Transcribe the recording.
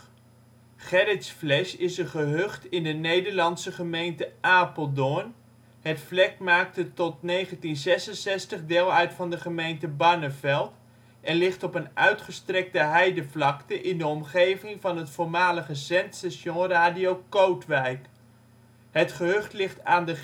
Gerritsflesch is een gehucht in de Nederlandse gemeente Apeldoorn. Het vlek maakte tot 1966 deel uit van de gemeente Barneveld en ligt op een uitgestrekte heidevlakte in de omgeving van het voormalige zendstation Radio Kootwijk. Het gehucht ligt aan de